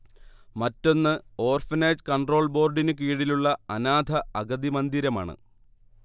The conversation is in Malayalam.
മറ്റൊന്ന് ഓർഫനേജ് കൺട്രോൾ ബോർഡിനു കീഴിലുള്ള അനാഥ അഗതി മന്ദിരമാണ്